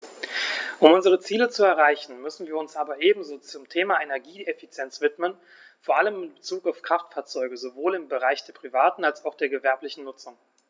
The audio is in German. Um unsere Ziele zu erreichen, müssen wir uns aber ebenso dem Thema Energieeffizienz widmen, vor allem in Bezug auf Kraftfahrzeuge - sowohl im Bereich der privaten als auch der gewerblichen Nutzung.